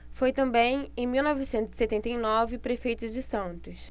foi também em mil novecentos e setenta e nove prefeito de santos